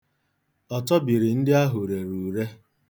Ọtọbiri ndị ahụ rere ure.